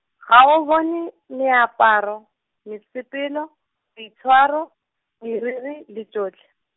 ga o bone, meaparo, mesepelo, boitshwaro, meriri le tšohle?